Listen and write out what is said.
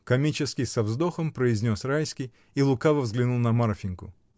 — комически, со вздохом, произнес Райский и лукаво взглянул на Марфиньку.